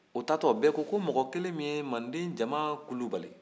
o taatɔ bɛɛ ko ko mɔgɔ kelen min ye mande jamakulu bali